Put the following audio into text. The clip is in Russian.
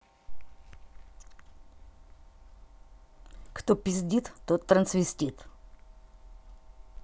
кто пиздит тот трансвестит